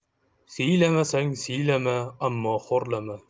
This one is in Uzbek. siylamasang siylama ammo xo'rlama